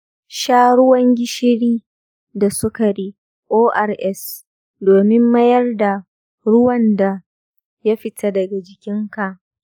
sha ruwan gishiri da sukari ors domin mayar da ruwan da ya fita daga jikinka.